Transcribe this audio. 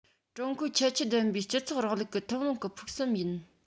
ཀྲུང གོའི ཁྱད ཆོས ལྡན པའི སྤྱི ཚོགས རིང ལུགས ཀྱི ཐུན མོང གི ཕུགས བསམ ཡིན